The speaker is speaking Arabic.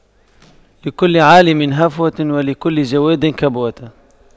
لكل عالِمٍ هفوة ولكل جَوَادٍ كبوة